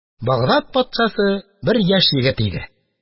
Багдад патшасы бер яшь егет иде.